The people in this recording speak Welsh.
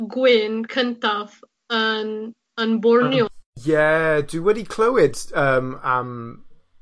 gwyn cyntaf yn yn Bornio. Yhy, ie, dwi wedi clywed yym am